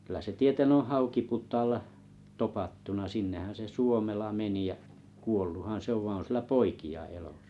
kyllä se tieten on Haukiputaalla topattuna sinnehän se Suomela meni ja kuolluthan se on vaan on sillä poikia elossa